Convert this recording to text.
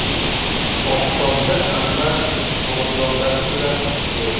oqshomda anvar xonzodasi bilan keldi